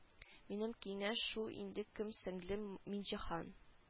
Минем киңәш шул инде кем сеңлем миңҗиһан